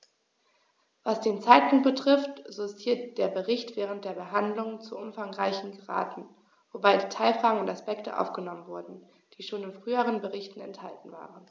Was den Zeitpunkt betrifft, so ist hier der Bericht während der Behandlung zu umfangreich geraten, wobei Detailfragen und Aspekte aufgenommen wurden, die schon in früheren Berichten enthalten waren.